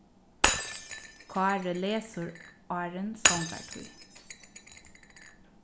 kári lesur áðrenn songartíð